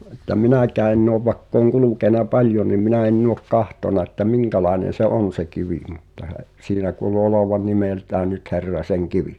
että minäkään ennen ole vaikka olen kulkenut paljon niin minä en ole katsonut että minkälainen se on se kivi mutta - siinä kuului olevan nimeltään nyt Herrasenkivi